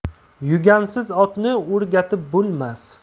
yugansiz otni o'rgatib bo'lmas